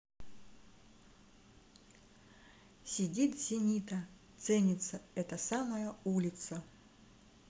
сидит зенита ценится эта самая улица